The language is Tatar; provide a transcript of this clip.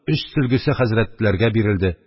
Өч сөлгесе хәзрәтләргә бирелде.